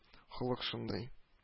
Холык шундый